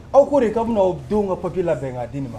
Aw ko de ka bɛna aw denw ka papi la zane k' dii ma